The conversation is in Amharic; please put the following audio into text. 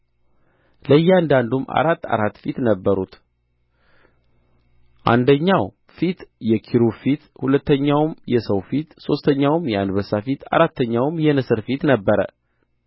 ለእያንዳንዱም አራት አራት ፊት ነበሩት አንደኛው ፊት የኪሩብ ፊት ሁለተኛውም የሰው ፊት ሦስተኛው የአንበሳ ፊት አራተኛውም የንስር ፊት ነበረ